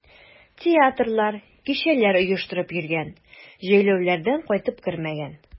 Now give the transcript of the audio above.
Театрлар, кичәләр оештырып йөргән, җәйләүләрдән кайтып кермәгән.